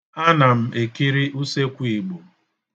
Ana m ekiri usekwu Igbo.